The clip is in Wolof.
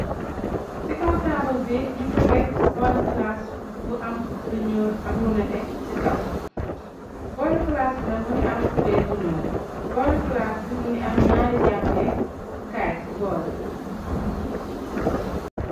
Ci kaw taabul bi ñung fa tekk booli flaas bu am lu ñuul ak lu netè ci kaw. Booli flaas bi nak mëngi am cuber bu ñuul. Booli flaas bi mëngi am ñaari jàppe kaay ci boor.